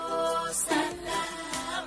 Nsese